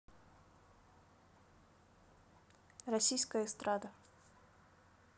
российская эстрада